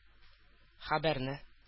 Хәбәрне